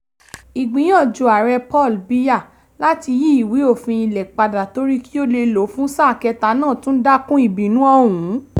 Ìgbìyànjú Ààrẹ Paul Biya láti yí ìwé òfin ilẹ̀ padà torí kí ó lè lọ fún sáà kẹta náà tún dá kún ìbínú ọ̀ún.